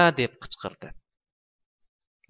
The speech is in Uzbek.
deb qichqirdi